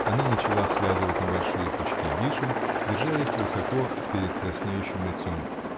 Она начала связывать небольшие пучки вишен, держа их высоко перед краснеющим лицом.